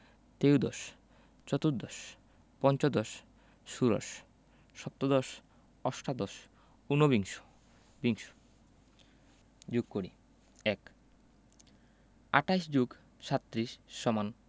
তেয়োদশ চতুর্দশ পঞ্চদশ ষোড়শ সপ্তদশ অষ্টাদশ উনবিংশ বিংশ যোগ করিঃ ১ ২৮ + ৩৭ =